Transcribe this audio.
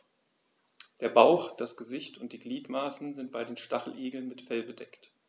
Der Bauch, das Gesicht und die Gliedmaßen sind bei den Stacheligeln mit Fell bedeckt.